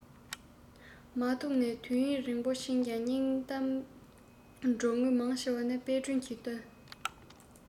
མ ཐུགས ནས དུས ཡུན རིང པོ ཕྱིན རྐྱེན སྙིང གཏམ འགྲོ དངུལ མང ཆེ བ ནི དཔལ སྒྲོན གྱི བཏོན